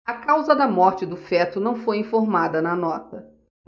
a causa da morte do feto não foi informada na nota